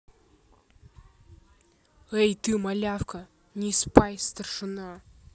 эй ты малявка не spice старшина